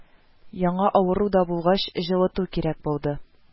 Яңа авыру да булгач, җылыту кирәк булды